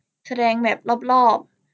แสดงแมพรอบรอบ